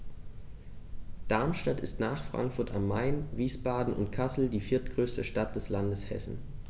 Darmstadt ist nach Frankfurt am Main, Wiesbaden und Kassel die viertgrößte Stadt des Landes Hessen